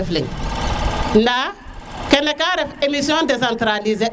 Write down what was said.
nda kene ka ref émission décentralisé